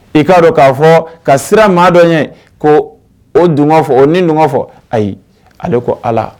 I k'a dɔn k'a fɔ ka sira maadɔn ye ko o dun fɔ o ni ɲɔgɔn fɔ ayi ale ko ala